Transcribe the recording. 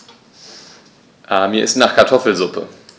Mir ist nach Kartoffelsuppe.